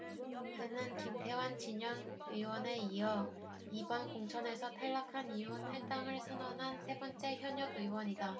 그는 김태환 진영 의원에 이어 이번 공천에서 탈락한 이후 탈당을 선언한 세 번째 현역 의원이다